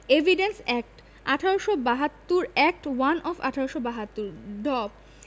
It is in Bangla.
Evidence act. ১৮৭২ act one of ১৮৭২ ড